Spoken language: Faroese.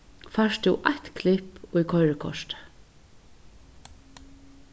fært tú eitt klipp í koyrikortið